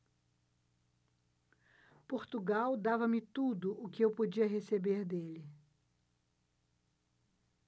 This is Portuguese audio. portugal dava-me tudo o que eu podia receber dele